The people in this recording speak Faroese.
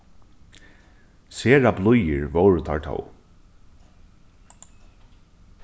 sera blíðir vóru teir tó